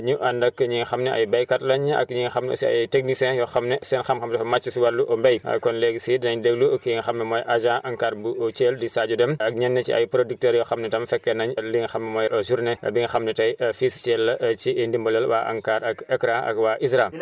ñu ànd ak ñi nga xam ne ay béykat lañ ak ñi nga xam ne aussi ay techniciens yoo xam ne seen xam-xam dafa màcc si wàllu mbéy kon léegi sii dinañ déglu ki nga xam ne mooy agent ANCAR bu Thiel di Sadio Deme ak ñenn si ay producteurs yoo xam ne tam fekkee nañ li nga xam mooy journée bi nga xam ne tey fii ci Thiel la ci ndimbalal waa ANCAR ak AICRA ak waa ISRA